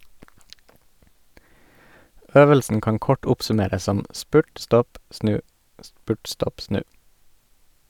Øvelsen kan kort oppsummeres som "spurt, stopp, snu; spurt, stopp, snu".